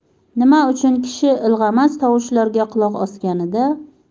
nima uchun kishi ilg'amas tovushlarga quloq osganida